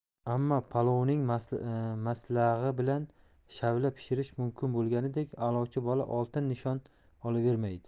ammo palovning masallig'i bilan shavla pishirish mumkin bo'lganidek a'lochi bola oltin nishon olavermaydi